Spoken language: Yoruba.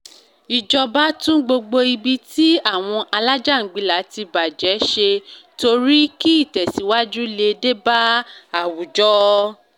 Ìjọba tún gbogbo ibi tí àwọn alájàngbilà ti bàjẹ́ ṣe torí kí ìtẹ̀síwájú lè dé bá àwùjọ.